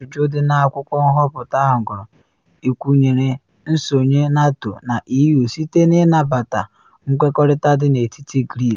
Ajụjụ dị n’akwụkwọ nhọpụta ahụ gụrụ: “Ị kwụnyere nsonye NATO na EU site na ịnabata nkwekọrịta dị n’etiti Greece.”